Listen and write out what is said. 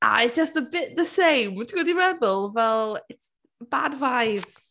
A it’s just a bit the same, ti’n gwybod be fi’n feddwl? Fel, it’s bad vibes.